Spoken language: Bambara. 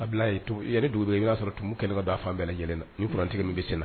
A bila to yɛrɛ dugu don i y'a sɔrɔ tun bɛ kɛlɛ ka d da fan bɛɛ lajɛlen na n'uurantigi min bɛ sen na